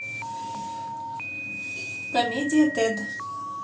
комедия тед